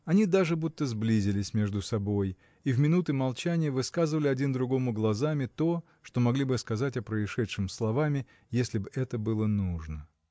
Они даже будто сблизились между собой и в минуты молчания высказывали один другому глазами то, что могли бы сказать о происшедшем словами, если б это было нужно.